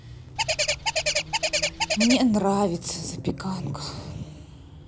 мне нравится запеканка